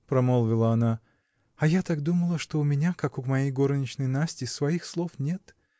-- промолвила она, -- а я так думала, что у меня, как у моей горничной Насти, своих слов нет.